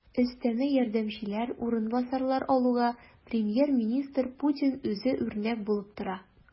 Өстәмә ярдәмчеләр, урынбасарлар алуга премьер-министр Путин үзе үрнәк булып тора.